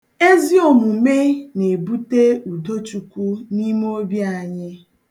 Eziomume na-ebute Udochukwu n'ime obi anyị.